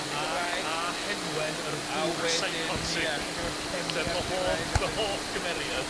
...yn y Gymraeg... A a Henwen yr hwch psychotic. ...a wedyn ia cerddi Arthuraidd... sef fy hoff fy hoff gymeriad...